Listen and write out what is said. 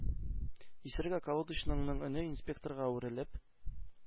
Исерек околодочныйның өне инспекторга әверелеп: